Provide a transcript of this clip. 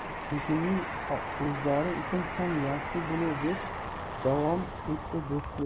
begimning o'zlari uchun ham yaxshi bo'lur deb davom etdi do'stbek